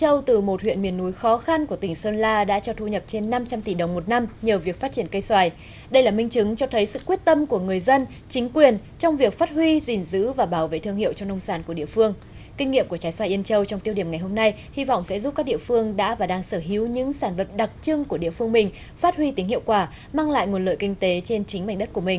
theo từ một huyện miền núi khó khăn của tỉnh sơn la đã cho thu nhập trên năm trăm tỷ đồng một năm nhờ việc phát triển cây xoài đây là minh chứng cho thấy sự quyết tâm của người dân chính quyền trong việc phát huy gìn giữ và bảo vệ thương hiệu cho nông sản của địa phương kinh nghiệm của trái xoài yên châu trong tiêu điểm ngày hôm nay hy vọng sẽ giúp các địa phương đã và đang sở hữu những sản vật đặc trưng của địa phương mình phát huy tính hiệu quả mang lại nguồn lợi kinh tế trên chính mảnh đất của mình